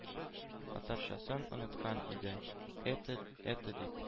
Атарчасын оныткан иде. это, это дип,